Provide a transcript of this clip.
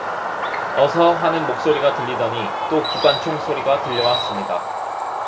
어서 하는 목소리가 들리더니 또 기관총 소리가 들려왔습니다